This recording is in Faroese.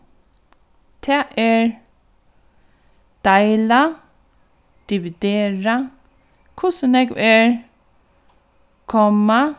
tað er deila dividera hvussu nógv er komma